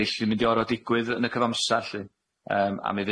erill yn mynd i or'o' digwydd yn y cyfamsar lly yym a mi